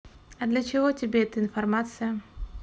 а для чего тебя эта информация